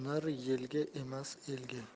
yelga emas elga